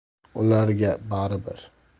ularga bari bir